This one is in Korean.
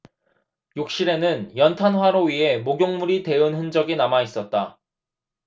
욕실에는 연탄 화로 위에 목욕물이 데운 흔적이 남아있었다